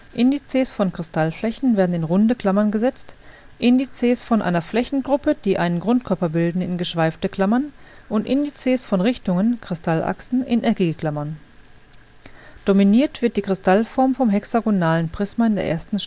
Indizes von Kristallflächen werden in runde Klammern gesetzt, Indizes von einer Flächengruppe, die einen Grundkörper bilden, in geschweifte Klammern und Indizes von Richtungen (Kristallachsen) in eckige Klammern. Dominiert wird die Kristallform vom hexagonalen Prisma I. Stellung ({01 1 ¯ 1 {\ displaystyle 01 {\ bar {1}} 1}}). Die Prismenflächen